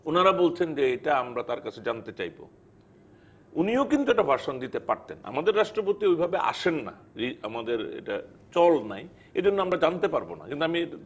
উনারা বলছেন যে এটা আমরা তার কাছে জানতে চাইবো উনিও কিন্তু একটা ভার্শন দিতে পারতেন আমাদের রাষ্ট্রপতি ও ভাবে আসেন না আমাদের এটা চল নাই এজন্য আমরা জানতে পারব না কিন্তু আমি